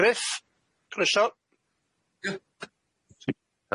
Gruff grisio.